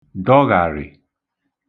dọghàrị̀